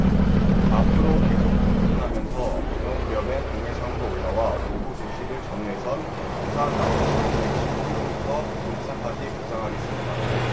앞으로 계속 북진하면서 정오 무렵엔 동해상으로 올라와 오후 두 시를 전후해선 부산 남동쪽 백 쉰 킬로미터 부근 해상까지 북상하겠습니다